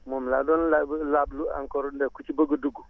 moom laa doon laaj ba laajlu encore ndax ku ci bëgg a dugg